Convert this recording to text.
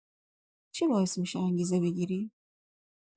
چی باعث می‌شه انگیزه بگیری؟